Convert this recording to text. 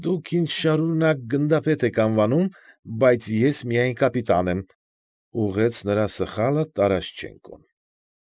Դուք ինձ շարունակ գնդապետ եք անվանում, բայց ես միայն կապիտան եմ,֊ ուղղեց նրա սխալը Տարաշչենկոն։